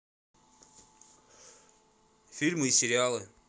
фильмы и сериалы